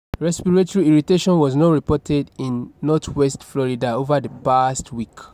Respiratory irritation was not reported in Northwest Florida over the past week.